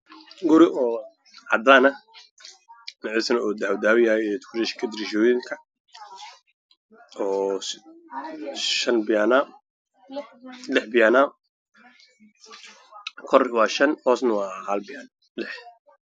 Dabaq caddeysi weyduud ah iskugu jiro oo dhan shanbiyaan ilaa lix biyaano heestiisana waxaa marayo laami